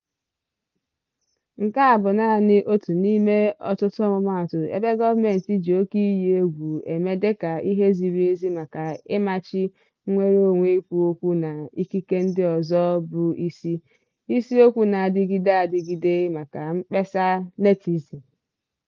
Nke a bụ naanị otu n'ime ọtụtụ ọmụmaatụ ebe gọọmentị ji oke iyi egwu eme dịka ihe ziri ezi maka ịmachi nnwereonwe ikwu okwu na ikike ndị ọzọ bụ isi - isiokwu na-adịgide adịgide maka Mkpesa Netizen.